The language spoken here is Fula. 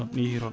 ina yeehi toon